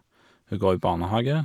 Hun går i barnehage.